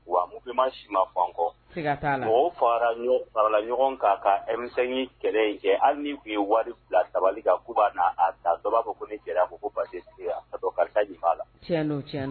Wa mun ma si ma fɔ kɔ o fara farala ɲɔgɔn'a kamisɛnsɛn kɛlɛ kɛ hali tun ye wari bila sabali kan ku'a a ta dɔw b'a fɔ ko ne cɛ ko basi sigira ka kariji'a la